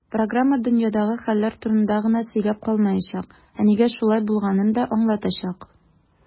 Программа "дөньядагы хәлләр турында гына сөйләп калмаячак, ә нигә шулай булганын да аңлатачак".